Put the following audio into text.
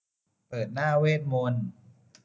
เปิดหน้าเวทมนต์